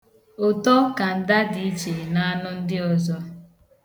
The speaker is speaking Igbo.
Ụtọ kanda di iche n'anụ ndị ọzọ.